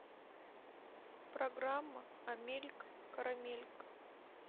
программа амелька карамелька